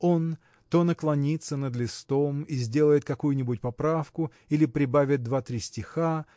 Он то наклонится над листом и сделает какую-нибудь поправку или прибавит два-три стиха